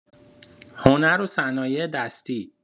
هنر و صنایع‌دستی